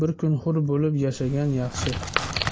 bir kun hur bo'lib yashagan yaxshi